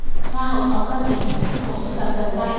hoa hậu ngọc hân chính thức tung bộ sưu tập đầu tay